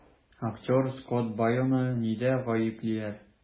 Актер Скотт Байоны нидә гаеплиләр?